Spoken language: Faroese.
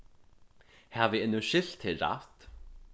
havi eg nú skilt teg rætt